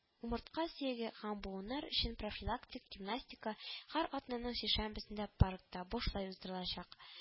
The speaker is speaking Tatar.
Умыртка сөяге һәм буыннар өчен профилактик гимнастика һәр атнаның сишәмбесендә паркта бушлай уздырылачак